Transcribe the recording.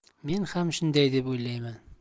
men ham shunday deb o'ylayman